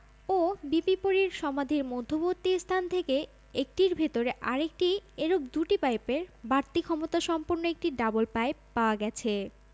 ও বিবি পরীর সমাধির মধ্যবর্তী স্থান থেকে একটির ভেতরে আরেকটি এরূপ দুটি পাইপের বাড়তি ক্ষমতা সম্পন্ন একটি ডাবল পাইপ পাওয়া গেছে